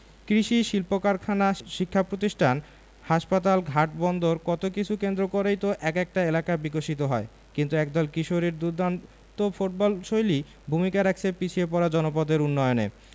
কৃষি শিল্পকারখানা শিক্ষাপ্রতিষ্ঠান হাসপাতাল ঘাট বন্দর কত কিছু কেন্দ্র করেই তো এক একটা এলাকা বিকশিত হয় কিন্তু একদল কিশোরীর দুর্দান্ত ফুটবলশৈলী ভূমিকা রাখছে পিছিয়ে পড়া জনপদের উন্নয়নে